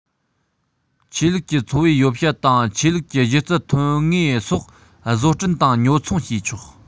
ཆོས ལུགས ཀྱི འཚོ བའི ཡོ བྱད དང ཆོས ལུགས ཀྱི སྒྱུ རྩལ ཐོན དངོས སོགས བཟོ སྐྲུན དང ཉོ ཚོང བྱེད ཆོག